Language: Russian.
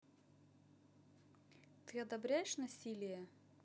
ты одобряешь насилие